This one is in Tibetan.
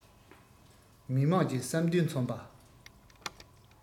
མི དམངས ཀྱི བསམ འདུན མཚོན པ